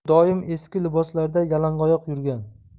u doim eski liboslarda yalangoyoq yurgan